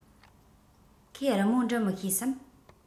ཁོས རི མོ འབྲི མི ཤེས སམ